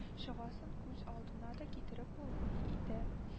Чыгасын күз алдына да китереп булмый иде